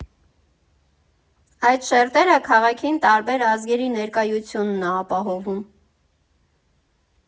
Այդ շերտերը քաղաքին տարբեր ազգերի ներկայությունն ա ապահովում։